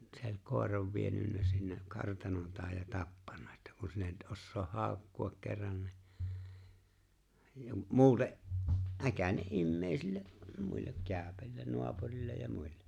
se oli koiran vienyt sinne kartanon taakse ja tappanut että kun sinä et osaa haukkua kerran niin ja muuten äkäinen ihmisille ja muille - naapureille ja muille